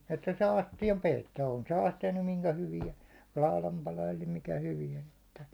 että saa astian peittoon on se astia nyt minkä hyvään laudan pala eli mikä hyvään että